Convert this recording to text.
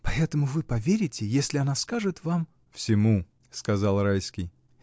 — Поэтому вы поверите, если она скажет вам. — Всему, — сказал Райский.